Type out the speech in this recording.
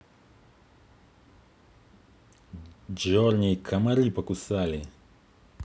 journey комары покусали